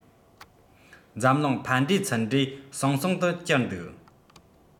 འཛམ གླིང ཕར འགྲེ ཚུར འགྲེ ཟང ཟིང དུ གྱུར འདུག